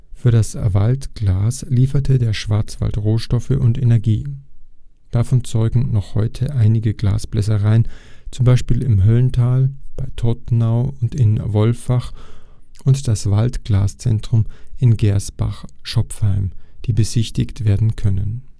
Für das Waldglas lieferte der Schwarzwald Rohstoffe und Energie. Davon zeugen noch heute einige Glasbläsereien z. B. im Höllental, bei Todtnau und in Wolfach und das Wald-Glas-Zentrum in Gersbach (Schopfheim), die besichtigt werden können